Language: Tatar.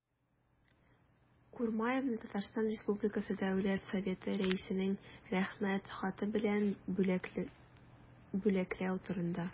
И.Х. Курмаевны Татарстан республикасы дәүләт советы рәисенең рәхмәт хаты белән бүләкләү турында